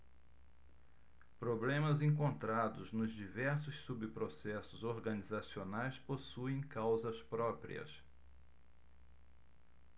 problemas encontrados nos diversos subprocessos organizacionais possuem causas próprias